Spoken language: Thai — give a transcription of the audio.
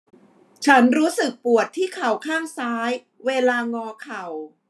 ฉันรู้สึกปวดที่เข่าข้างซ้ายเวลางอเข่า